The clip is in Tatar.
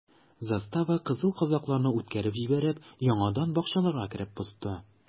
Застава, кызыл казакларны үткәреп җибәреп, яңадан бакчаларга кереп посты.